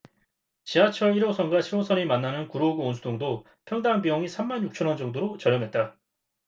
지하철 일 호선과 칠 호선이 만나는 구로구 온수동도 평당 비용이 삼 만 육천 원 정도로 저렴했다